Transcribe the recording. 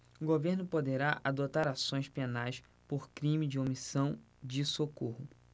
o governo poderá adotar ações penais por crime de omissão de socorro